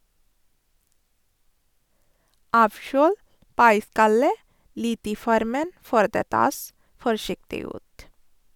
Avkjøl pai-skallet litt i formen før det tas forsiktig ut.